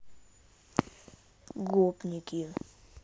гопники